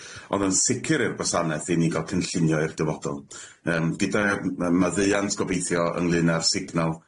Ond yn sicir i'r gwasaneth i ni ga'l cynllunio i'r dyfodol, yym gyda'i yym yy maddeuant gobeithio ynglŷn â'r signal.